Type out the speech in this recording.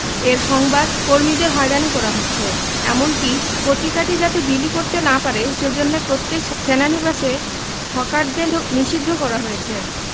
এর সংবাদ কর্মীদের হয়রানি করা হচ্ছে এমনকি পত্রিকাটি যাতে বিলি করতে না পারে সেজন্যে প্রত্যেক সেনানিবাসে হকারদের নিষিদ্ধ করা হয়েছে